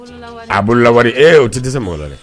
A bolo la ee o tɛ se mo la